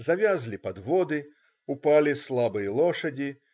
Завязли подводы, упали слабые лошади.